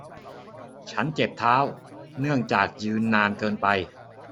ฉันเจ็บเท้าเนื่องจากยืนนานเกินไป